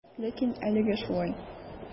Ләкин әлегә шулай.